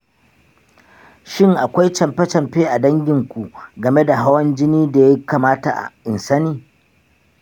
shin akwai canfe-canfe a danginku game da hawan-jini da ya kamata in sani?